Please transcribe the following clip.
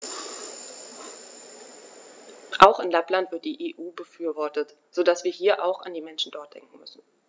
Auch in Lappland wird die EU befürwortet, so dass wir hier auch an die Menschen dort denken müssen.